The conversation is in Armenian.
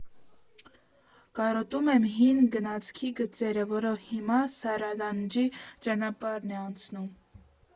Կարոտում եմ հին գնացքի գծերը, որով հիմա Սարալանջի ճանապարհն է անցնում։